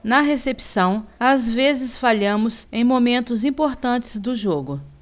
na recepção às vezes falhamos em momentos importantes do jogo